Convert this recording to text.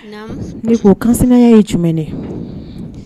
N ko kanya ye jumɛn dɛ